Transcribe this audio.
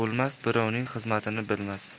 bo'lmas birovning xizmatin bilmas